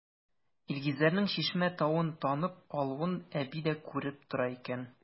Илгизәрнең Чишмә тавын танып алуын әби дә күреп тора икән.